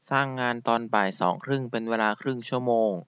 สร้างงานตอนบ่ายสองครึ่งเป็นเวลาครึ่งชั่วโมง